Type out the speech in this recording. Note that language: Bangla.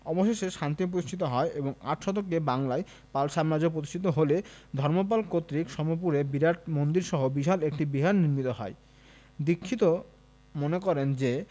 অবশেষে শান্তি প্রতিষ্ঠিত হয় এবং আট শতকে বাংলায় পাল সাম্রাজ্য প্রতিষ্ঠিত হলে ধর্মপাল কর্তৃক সোমপুরে বিরাট মন্দিরসহ বিশাল একটি বিহার নির্মিত হয় দীক্ষিত মনে করেন